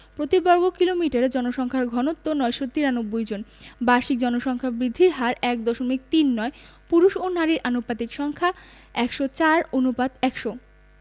প্রতি বর্গ কিলোমিটারে জনসংখ্যার ঘনত্ব ৯৯৩ জন বাৎসরিক জনসংখ্যা বৃদ্ধির হার ১দশমিক তিন নয় পুরুষ ও নারীর আনুপাতিক সংখ্যা ১০৪ অনুপাত ১০০